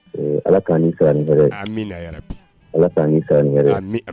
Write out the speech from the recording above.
Ɛɛ Ala k'an n'i sara ni hɛrɛ ye amina yarabi Ala k'an n'i sara ni hɛrɛ ye aami